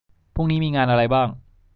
พรุ่งนี้มีงานอะไรบ้าง